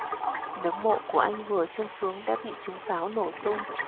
nấm mộ của anh vừa chôn xuống đã bị trúng pháo nổ tung